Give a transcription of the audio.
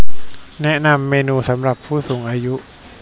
แนะนำเมนูสำหรับผู้สูงอายุ